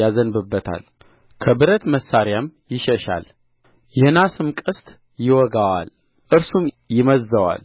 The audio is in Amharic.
ያዘንብበታል ከብረት መሣርያም ይሸሻል የናስም ቀስት ይወጋዋል እርሱም ይመዝዘዋል